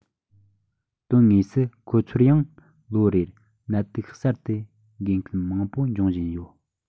དོན དངོས སུ ཁོ ཚོར ཡང ལོ རེར ནད དུག གསར དུ འགོས མཁན མང པོ འབྱུང བཞིན ཡོད